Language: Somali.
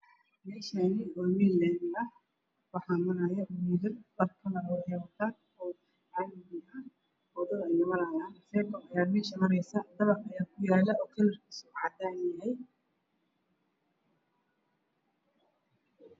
Meeshaan waa meel laami ah waxaa maraayo wiilal dhar waxay wataan buluug ah. Mooto faykoon ayaa meesha marayso. Dabaq ayaa kuyaalo oo cadaan ah.